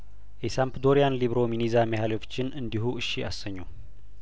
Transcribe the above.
የሳምፕዶሪያን ሊብሮ ሚኒዛ ሚሀይሎቪችን እንዲሁ እሺ አሰኙ